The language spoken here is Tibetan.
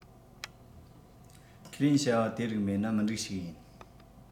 ཁས ལེན བྱ བ དེ རིགས མེད ན མི འགྲིག ཞིག ཡིན